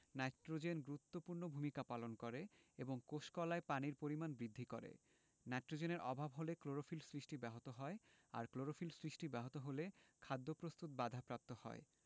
nitrogen গুরুত্বপূর্ণ ভূমিকা পালন করে এবং কোষ কলায় পানির পরিমাণ বৃদ্ধি করে নাইট্রোজেনের অভাব হলে ক্লোরোফিল সৃষ্টি ব্যাহত হয় আর ক্লোরোফিল সৃষ্টি ব্যাহত হলে খাদ্য প্রস্তুত বাধাপ্রাপ্ত হয়